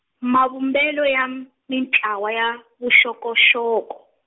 mavumbelo ya m-, mintlawa ya, vuxokoxoko.